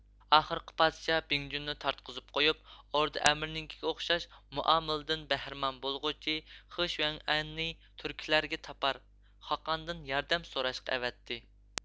ئاخىرقى پادىشاھ بىڭجۇنى تارتقۇزۇپ قويۇپ ئوردا ئەمرىنىڭكىگە ئوخشاش مۇئامىلىدىن بەھرىمەن بولغۇچى خېشيۇڭئەننى تۈركلەرگە تابار خاقاندىن ياردەم سوراشقا ئەۋەتتى